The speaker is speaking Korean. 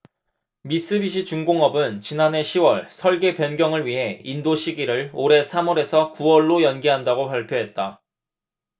미쓰비시 중공업은 지난해 시 월 설계 변경을 위해 인도시기를 올해 삼 월에서 구 월로 연기한다고 발표했다